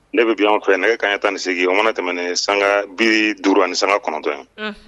Ne bɛ bi yan fɛ ne ka kan tan ni sigi o mana tɛmɛn sanga bi duuru ani san kɔnɔntɔn yan